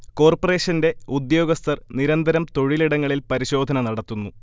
കോർപറേഷന്റെ ഉദ്യോഗസ്ഥർ നിരന്തരം തൊഴിലിടങ്ങളിൽ പരിശോധന നടത്തുന്നു